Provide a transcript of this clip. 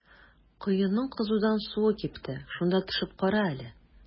Коеның кызудан суы кипте, шунда төшеп кара әле.